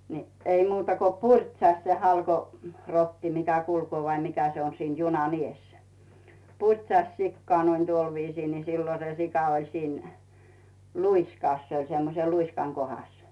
niin ei muuta kuin purtsahti se - halkorotti mikä kulkee vai mikä se on siinä junan edessä purtsasi sikaa noin tuolla viisiin niin silloin se sika oli siinä luiskassa se oli semmoisen luiskan kohdassa